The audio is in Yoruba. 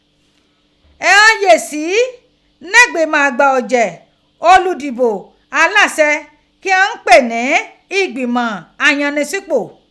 Ighan yesi ni igbimọ agba ọjẹ oludibo alasẹ ki ghan n pe ni Ìgbìmọ Ayannisípò?